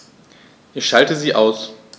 Ich schalte sie aus.